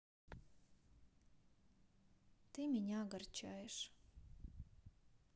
ты меня огорчаешь